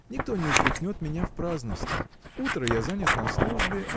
Никто не упрекнет меня в праздности. Утро я занят в службе